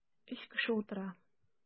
Өч кеше утыра.